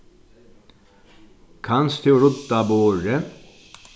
kanst tú rudda borðið